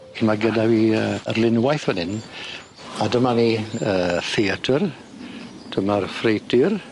'Lly ma' gyda fi yy arlunwaith fyn 'yn a dyma ni yy theatr dyma'r ffreutur.